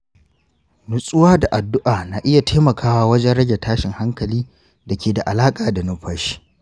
nutsuwa da addu’a na iya taimakawa wajen rage tashin hankali da ke da alaƙa da numfashi.